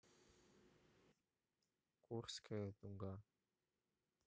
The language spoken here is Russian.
курская дуга